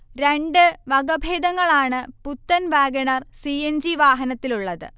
രണ്ട് വകഭേദങ്ങളാണ് പുത്തൻ Wagon R. C. N. G വാഹനത്തിലുള്ളത്